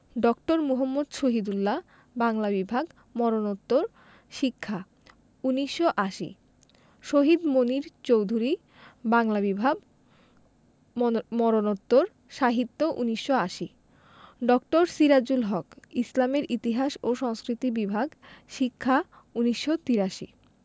ড. মুহম্মদ শহীদুল্লাহ বাংলা বিভাগ মরণোত্তর শিক্ষা ১৯৮০ শহীদ মুনীর চৌধুরী বাংলা বিভাগ মনে মরণোত্তর সাহিত্য ১৯৮০ ড. সিরাজুল হক ইসলামের ইতিহাস ও সংস্কৃতি বিভাগ শিক্ষা ১৯৮৩